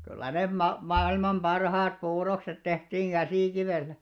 kyllä ne - maailman parhaat puurokset tehtiin käsikivellä